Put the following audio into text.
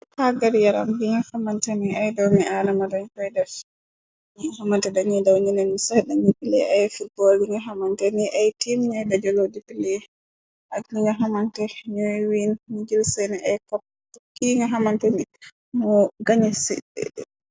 Taggart yaram bi ñga xamante ni ay doomi aarama roñ roydesh ñi xamante dañuy daw ñenen ñu saxi dañi pilee ay fuotbol yi ñga xamante ni ay tiim ñay bajëloo di pilee ak ñuña xamante ñooy wiin ñi jël seeni ay kopp ki nga xamante ni nyoo gañe ci.